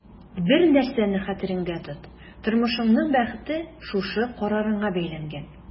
Бер нәрсәне хәтерендә тот: тормышыңның бәхете шушы карарыңа бәйләнгән.